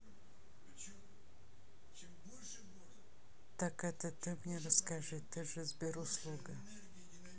так это ты мне расскажи ты же сбер услуга